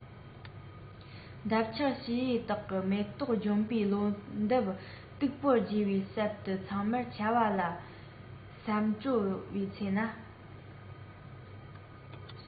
འདབ ཆགས བྱིའུ དག ནི མེ ཏོག ལྗོན པའི ལོ འདབ སྟུག པོར རྒྱས པའི གསེབ ཏུ ཚང མལ འཆའ བ ལ སེམས སྤྲོ བའི ཚེ ན